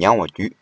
མྱངས པ བརྒྱུད